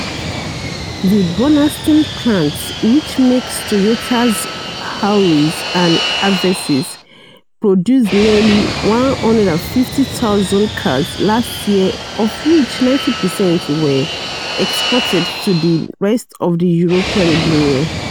The Burnaston plant - which makes Toyota's Auris and Avensis - produced nearly 150,000 cars last year of which 90% were exported to the rest of the European Union.